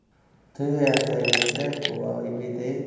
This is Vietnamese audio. thứ hai theo nguyên tắc của bảo hiểm y tế